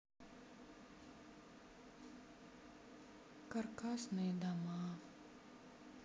каркасные дома